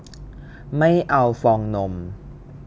ไม่เอาฟองนม